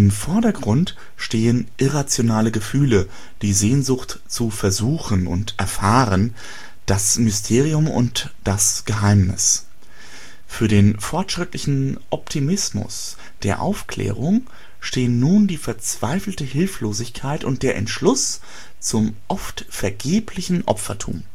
Vordergrund stehen irrationale Gefühle, die Sehnsucht zu Versuchen und Erfahren, das Mysterium und das Geheimnis. Für den fortschrittlichen Optimismus der Aufklärung stehen nun die verzweifelte Hilflosigkeit und der Entschluss zum oft vergeblichen Opfertum